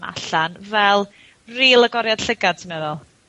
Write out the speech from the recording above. allan fel ril agoriad llygad ti meddwl?